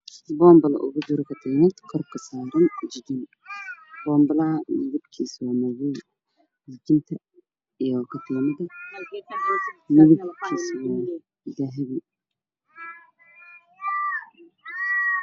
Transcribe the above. Boon balo uugu jiro katiinad kor kasaaran jijin boon balaha midab kiisu waa madow jijinta iyo katiinada midab koodu waa dahabi